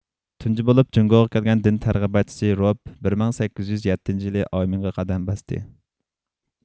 تۇنجى بولۇپ جۇڭگوغا كەلگەن دىن تەرغىباتچىسى روب بىر مىڭ سەككىز يۈز يەتتىنچى يىلى ئاۋمېنغا قەدەم باستى